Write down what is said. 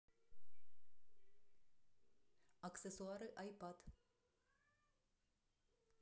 аксессуары айпад